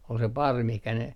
oli se parvi mihin ne